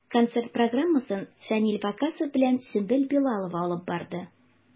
Концерт программасын Фәнил Ваккасов белән Сөмбел Билалова алып барды.